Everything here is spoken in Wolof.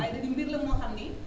waaye da di mbir la moo xam ni